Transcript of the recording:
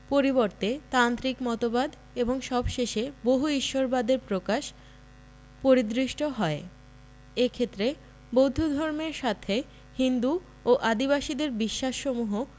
পরিবর্তে তান্ত্রিক মতবাদ এবং সবশেষে বহু ঈশ্বরবাদের প্রকাশ পরিদৃষ্ট হয় এক্ষেত্রে বৌদ্ধধমের্র সাথে হিন্দু ও আদিবাসীদের বিশ্বাসসমূহ